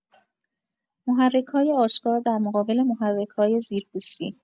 محرک‌های آشکار در مقابل محرک‌های زیرپوستی